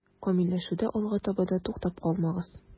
Камилләшүдә алга таба да туктап калмагыз.